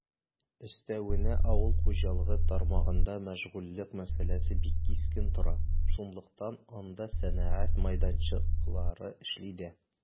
Өстәвенә, авыл хуҗалыгы тармагында мәшгульлек мәсьәләсе бик кискен тора, шунлыктан анда сәнәгать мәйданчыклары эшли дә.